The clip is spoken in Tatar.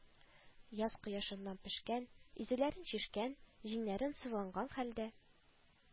Яз кояшыннан пешкән, изүләрен чишкән, җиңнәрен сызганган хәлдә,